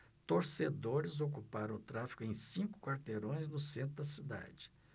torcedores ocuparam o tráfego em cinco quarteirões do centro da cidade